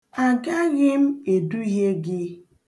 Agaghị m eduhie gị.